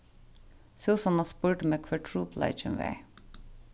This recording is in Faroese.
súsanna spurdi meg hvør trupulleikin var